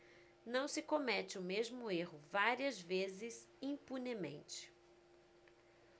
não se comete o mesmo erro várias vezes impunemente